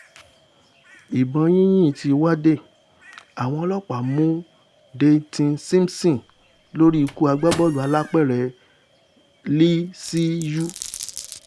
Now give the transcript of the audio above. Ìbọn yínyín ti Wayde: Àwọn ọlọ́ọ̀pá mú Dyteon Simpson lórí ikú agbábọ́ọ̀lù alápẹ̀rẹ̀ LSU